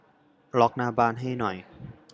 ล็อคบ้านให้หน่อย